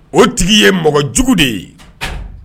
O tigi ye mɔgɔjugu de ye